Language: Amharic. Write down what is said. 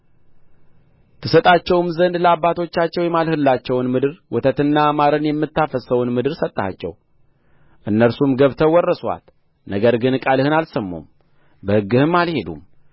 ትሰጣቸውም ዘንድ ለአባቶቻቸው የማልህላቸውን ምድር ወተትና ማርንም የምታፈስሰውን ምድር ሰጠሃቸው እነርሱም ገብተው ወረሱአት ነገር ግን ቃልህን አልሰሙም በሕግህም አልሄዱም